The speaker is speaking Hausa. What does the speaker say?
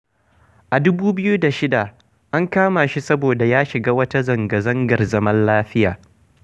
A 2006, an kama shi saboda ya shiga wata zanga-zangar zaman lafiya.